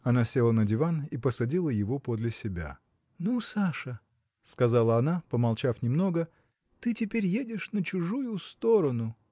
Она села на диван и посадила его подле себя. – Ну Саша – сказала она помолчав немного ты теперь едешь на чужую сторону.